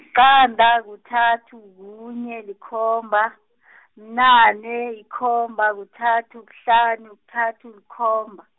qanda, kuthathu, kunye, likhomba , bunane, yikomba, kuthathu, kuhlanu, kuthathu likhomba.